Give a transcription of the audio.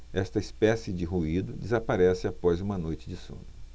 esta espécie de ruído desaparece após uma noite de sono